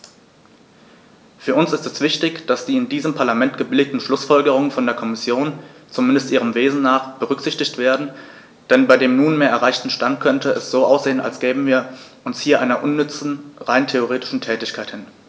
Für uns ist es wichtig, dass die in diesem Parlament gebilligten Schlußfolgerungen von der Kommission, zumindest ihrem Wesen nach, berücksichtigt werden, denn bei dem nunmehr erreichten Stand könnte es so aussehen, als gäben wir uns hier einer unnütze, rein rhetorischen Tätigkeit hin.